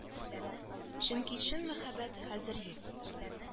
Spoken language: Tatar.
Чөнки чын мәхәббәт хәзер юк